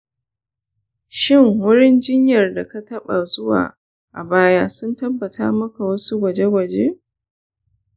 shin wurin jinyar da ka taba zuwa a baya sun taba maka wasu gwaje gwaje?